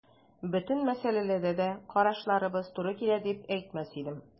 Бөтен мәсьәләдә дә карашларыбыз туры килә дип әйтмәс идем.